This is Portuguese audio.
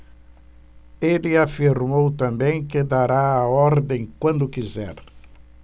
ele afirmou também que dará a ordem quando quiser